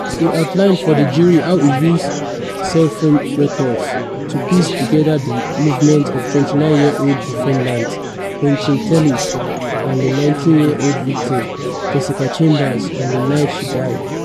He outlined for the jury how he used cellphone records to piece together the movements of 29-year-old defendant Quinton Tellis and the 19-year-old victim, Jessica Chambers, on the night she died.